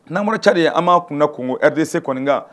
N'an bɔra Cadi an b'an kun da Kɔnko RDC kɔni kan